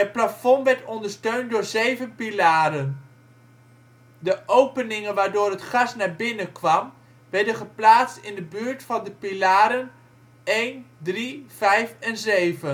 plafond werd ondersteund door zeven pilaren. De openingen waardoor het gas naar binnen kwam werden geplaatst in de buurt van de pilaren 1, 3, 5 en 7. Er